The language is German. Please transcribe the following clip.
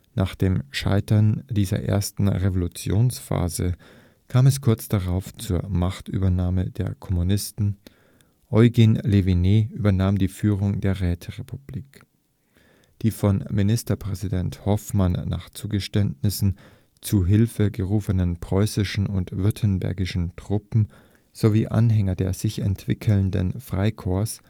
Nach dem Scheitern dieser ersten Revolutionsphase kam es kurz darauf zu der Machtübernahme der Kommunisten. Eugen Leviné übernahm die Führung der Räterepublik. Die von Ministerpräsident Hoffmann nach Zugeständnissen zu Hilfe gerufenen preußischen und württembergischen Truppen sowie Angehörige der sich entwickelnden Freikorps